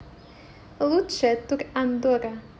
лучшая тур андорра